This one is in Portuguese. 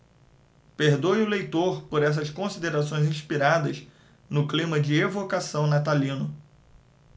perdoe o leitor por essas considerações inspiradas no clima de evocação natalino